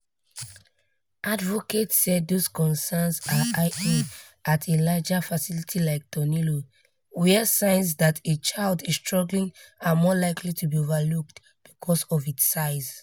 Advocates said those concerns are heightened at a larger facility like Tornillo, where signs that a child is struggling are more likely to be overlooked, because of its size.